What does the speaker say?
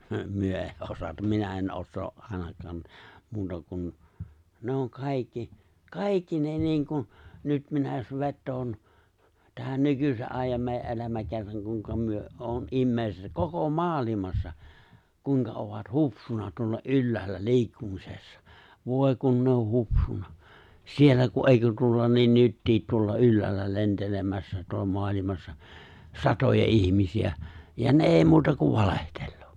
me ei osata minä en osaa ainakaan muuta kuin ne on kaikki kaikki ne niin kuin nyt minä jos vetoan tähän nykyisen ajan meidän elämäkerran kuinka me on ihmiset koko maailmassa kuinka ovat hupsuna tuolla ylhäällä liikkumisessa voi kun ne on hupsuna siellä kun eikö tuolla lie nytkin tuolla ylhäällä lentelemässä tuolla maailmassa satoja ihmisiä ja ne ei muuta kuin valehtelee